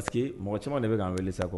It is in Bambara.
Parce que mɔgɔ caman de bɛ k'an wele sisan